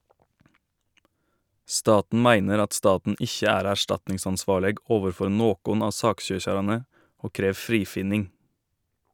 Staten meiner at staten ikkje er erstatningsansvarleg overfor nokon av saksøkjarane og krev frifinning.